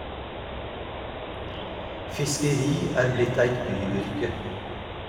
Fiskeri er blitt eit byyrke.